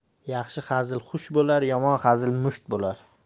yaxshi hazil xush bo'lar yomon hazil musht bo'lar